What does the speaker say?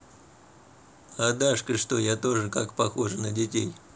а дашка что я тоже как похоже на детей